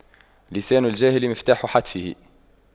لسان الجاهل مفتاح حتفه